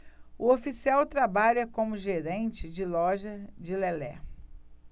o oficial trabalha como gerente da loja de lelé